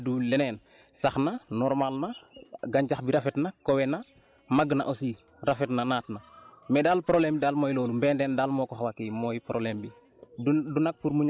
loolu rek mooy problème bi mais du leneen sax na normal na gàncax bi rafet na kawe na màgg na aussi rafet na naat na mais daal problème bi daal mooy loolu daal moo koxaw a kii mooy problème bi